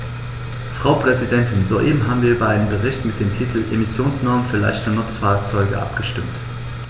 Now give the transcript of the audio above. Frau Präsidentin, soeben haben wir über einen Bericht mit dem Titel "Emissionsnormen für leichte Nutzfahrzeuge" abgestimmt.